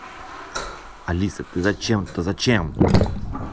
алиса ты зачем то зачем